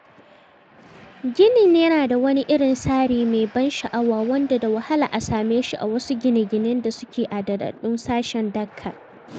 Ginin yana da wani irin tsari mai ban sha'awa wanda da wahala a same shi a wasu gine-ginen da suke a daɗaɗɗun sassan Dhaka.